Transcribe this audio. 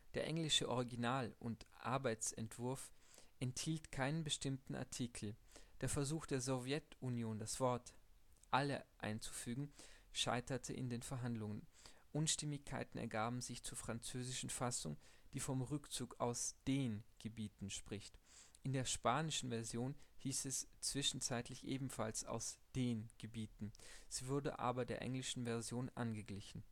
englische Original - und Arbeitsentwurf enthielt keinen bestimmten Artikel. Der Versuch der Sowjetunion, das Wort „ alle” einzufügen, scheiterte in den Verhandlungen. Unstimmigkeiten ergaben sich zur französischen Fassung, die vom Rückzug „ aus den Gebieten “spricht. In der spanischen Version hieß es zwischenzeitlich ebenfalls „ aus den Gebieten”, sie wurde aber der englischen Version angeglichen